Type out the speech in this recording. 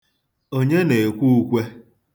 Onye na-ekwe ukwe?